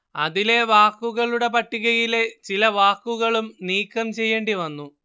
അതിലെ വാക്കുകളുടെ പട്ടികയിലെ ചില വാക്കുകളും നീക്കം ചെയ്യേണ്ടി വന്നു